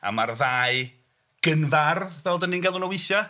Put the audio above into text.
A ma'r ddau gynfardd fel dan ni'n galw nhw weithiau.